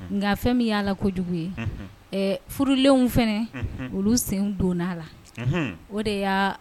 Nka fɛn min y'a la kojugu ye, unhun, ɛ furulenw fana olu sen don la, unhun! o de y'a